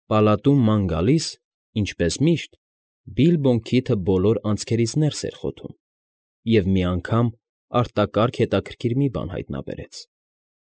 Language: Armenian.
Պալատում ման գալիս, ինչպես միշտ, Բիլբոն քիթը բոլոր անցքերից ներս էր խոթում և մի անգամ արտակարգ հետաքրքիր մի բան հայտնաբերեց։